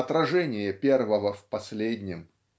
отражение первого в последнем.